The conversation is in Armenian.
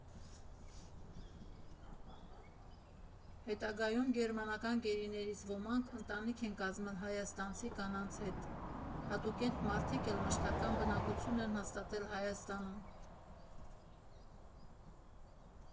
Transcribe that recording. Հետագայում գերմանական գերիներից ոմանք ընտանիք են կազմել հայաստանցի կանանց հետ, հատուկենտ մարդիկ էլ մշտական բնակություն են հաստատել Հայաստանում։